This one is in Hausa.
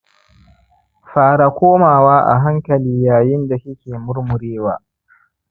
fara komawa a hankali yayin da kike murmurewa.